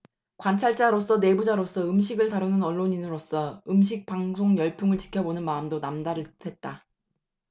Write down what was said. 관찰자로서 내부자로서 음식을 다루는 언론인으로서 음식 방송 열풍을 지켜보는 마음도 남다를 듯했다